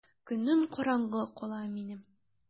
Көнем караңгы кала минем!